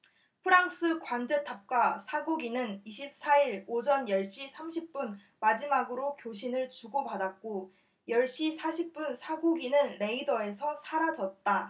프랑스 관제탑과 사고기는 이십 사 일 오전 열 시 삼십 분 마지막으로 교신을 주고받았고 열 시 사십 분 사고기는 레이더에서 사라졌다